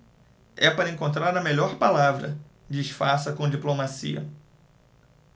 é para encontrar a melhor palavra disfarça com diplomacia